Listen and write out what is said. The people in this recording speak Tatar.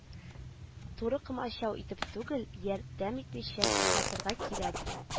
Туры комачау итеп түгел, ярдәм итмичә туктатырга кирәк бу